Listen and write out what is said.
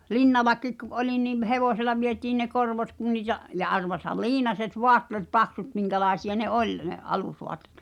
Linnallakin kun olin niin hevosella vietiin ne korvot kun niitä ja arvaathan liinaset vaatteet paksut minkälaisia ne oli ne alusvaatteet